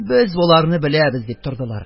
Без боларны беләбез... -дип тордылар.